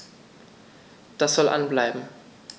Das soll an bleiben.